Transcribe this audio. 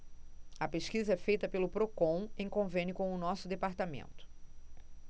a pesquisa é feita pelo procon em convênio com o diese